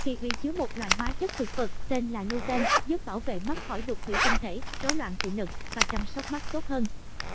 trái kiwi chứa một loại hóa chất thực vật tên là lutein giúp bảo vệ mắt khỏi đục thủy tinh thể rối loạn thị lực và chăm sóc mắt tốt hơn